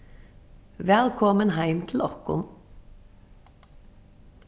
vælkomin heim til okkum